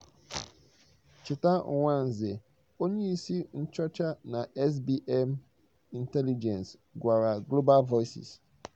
Cheta Nwanze, Onyeisi Nchọcha na SBM Intelligence gwara Global Voices: